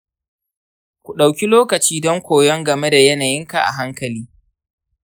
ku ɗauki lokaci don koyon game da yanayinka a hankali.